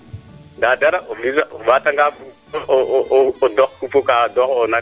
nda dara o ɓaata nga dox o xupu kaa doxoona